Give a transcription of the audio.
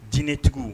Tinɛ tugun